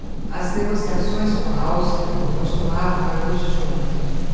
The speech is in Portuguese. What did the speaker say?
as negociações com a áustria continuavam na noite de ontem